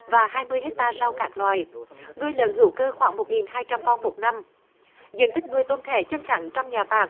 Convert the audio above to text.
và hai mươi héc ta rau các loài nuôi lợn hữu cơ khoảng một nghìn hai trăm con một năm diện tích nuôi tôm thẻ chân trắng trong nhà bạc